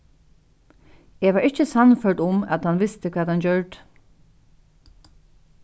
eg var ikki sannførd um at hann visti hvat hann gjørdi